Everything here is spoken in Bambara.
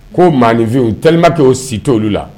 Ko mafinwu u tema tɛ'o si t to olu la